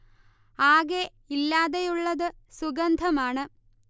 ആകെ ഇല്ലാതെയുള്ളത് സുഗന്ധമാണ്